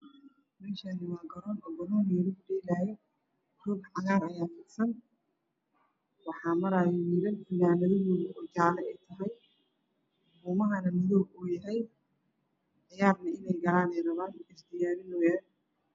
Meshani waa garoon kubada lagu ciyarayo roog cagaran ayaa yala waxaa joogan wiilala funanado jalaa watan iyo surwal madow watan